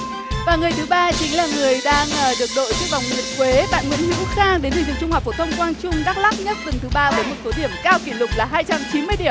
và người thứ ba chính là người đang được đội chiếc vòng nguyệt quế bạn nguyễn hữu khang đến từ trường trung học phổ thông quang trung đắc lắc nhất tuần thứ ba với một số điểm cao kỷ lục là hai trăm chín mươi điểm